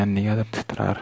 negadir titrar